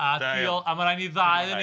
Mae'n rhaid i ni ddau yn ei ddiolch.